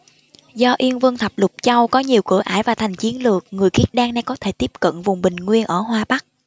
do yên vân thập lục châu có nhiều cửa ải và thành chiến lược người khiết đan nay có thể tiếp cận vùng bình nguyên ở hoa bắc